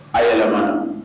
A yɛlɛma